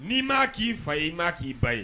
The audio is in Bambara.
N'i m ma k'i fa ye i ma k'i ba ye.